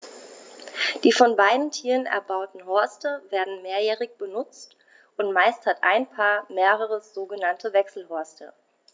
Die von beiden Tieren erbauten Horste werden mehrjährig benutzt, und meist hat ein Paar mehrere sogenannte Wechselhorste.